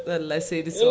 wallay seydi Sow